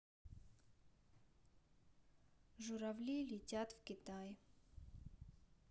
журавли летят в китай